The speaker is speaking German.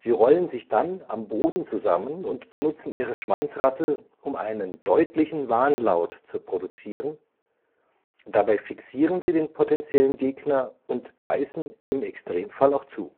rollen sich dann am Boden zusammen und benutzen ihre Schwanzrassel, um einen deutlichen Warnlaut zu produzieren, dabei fixieren sie den potenziellen Gegner und beißen im Extremfall auch zu